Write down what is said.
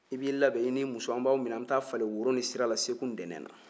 i b'i labɛn i n'i muso an b'aw minɛ an bɛ taa a falen woro ni sira la segu ntɛnɛn na